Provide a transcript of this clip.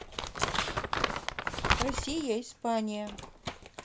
россия испания